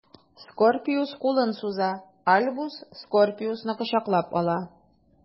Скорпиус кулын суза, Альбус Скорпиусны кочаклап ала.